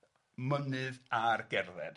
Mynydd ar gerdded.